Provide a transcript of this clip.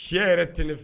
Sɛ yɛrɛ te ne fɛ.